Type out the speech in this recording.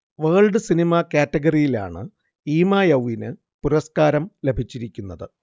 world cinema കാറ്റഗറിയിലാണ് ഈമയൗവിന് പുരസ്കാരം ലഭിച്ചിരിക്കുന്നത്